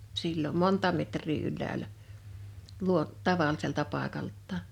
silloin monta metriä ylhäällä - tavalliselta paikaltaan